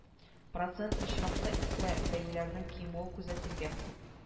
Процент очракта исә бәяләрнең кимүе күзәтелгән